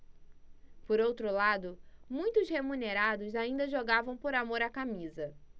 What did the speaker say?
por outro lado muitos remunerados ainda jogavam por amor à camisa